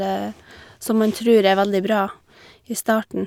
Som man tror er veldig bra i starten.